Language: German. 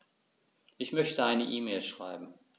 Ich möchte eine E-Mail schreiben.